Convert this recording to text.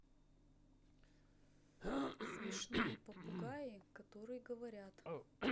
смешные попугаи которые говорят